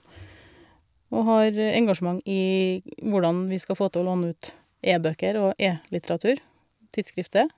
Og har engasjement i hvordan vi skal få til å låne ut e-bøker og e-litteratur, tidsskrifter.